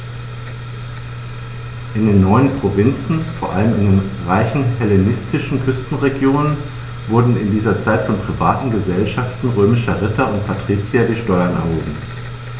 In den neuen Provinzen, vor allem in den reichen hellenistischen Küstenregionen, wurden in dieser Zeit von privaten „Gesellschaften“ römischer Ritter und Patrizier die Steuern erhoben.